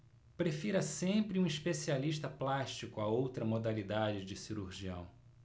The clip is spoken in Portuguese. prefira sempre um especialista plástico a outra modalidade de cirurgião